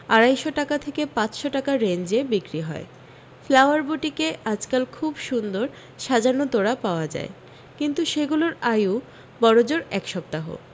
আড়াইশো টাকা থেকে পাঁচশো টাকা রেঞ্জে বিক্রী হয় ফ্লাওয়ার বুটিকে আজকাল খুব সুন্দর সাজানো তোড়া পাওয়া যায় কিন্তু সেগুলোর আয়ু বড়জোর এক সপ্তাহ